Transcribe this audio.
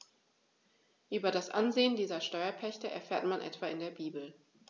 Über das Ansehen dieser Steuerpächter erfährt man etwa in der Bibel.